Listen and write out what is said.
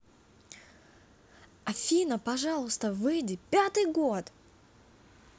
афина пожалуйста выйди пятый год